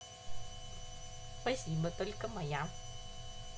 спасибо только моя